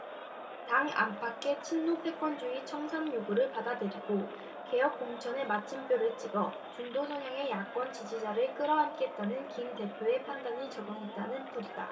당 안팎의 친노패권주의 청산 요구를 받아들이고 개혁공천의 마침표를 찍어 중도성향의 야권 지지자를 끌어안겠다는 김 대표의 판단이 작용했다는 풀이다